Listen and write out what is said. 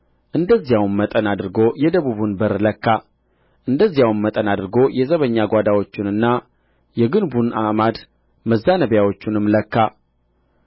እንደዚያውም መጠን አድርጎ የደቡብን በር ለካ እንደዚያውም መጠን አድርጎ የዘበኛ ጓዳዎቹንና የግንቡን አዕማድ መዛነቢያዎቹንም ለካ